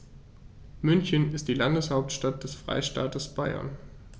München ist die Landeshauptstadt des Freistaates Bayern.